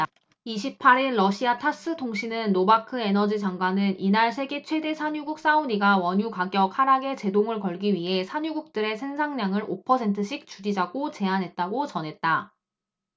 이십 팔 일 러시아 타스 통신은 노바크 에너지장관은 이날 세계 최대 산유국 사우디가 원유가격 하락에 제동을 걸기 위해 산유국들에 생산량을 오 퍼센트씩 줄이자고 제안했다고 전했다